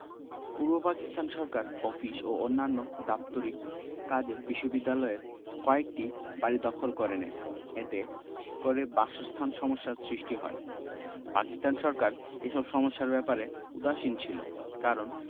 পূর্ব পাকিস্তান সরকার অফিস ও অন্যান্য দাপ্তরিক কাজে বিশ্ববিদ্যালয়ের কয়েকটি বাড়ি দখল করে নেয় এতে করে বাসস্থান সমস্যার সৃষ্টি হয় পাকিস্তান সরকার এসব সমস্যার ব্যাপারে উদাসীন ছিল কারণ